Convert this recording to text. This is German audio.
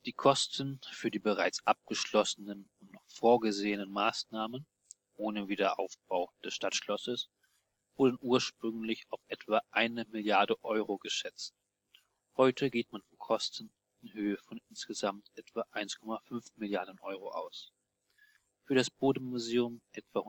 Kosten für die bereits abgeschlossenen und noch vorgesehenen Maßnahmen (ohne Wiederaufbau des Stadtschlosses) wurden ursprünglich auf etwa eine Milliarde Euro geschätzt, heute geht man von Kosten in Höhe von insgesamt etwa 1,5 Milliarden Euro aus: für das Bode-Museum etwa